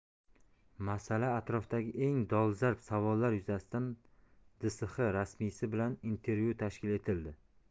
masala atrofidagi eng dolzarb savollar yuzasidan dsq rasmiysi bilan intervyu tashkil etildi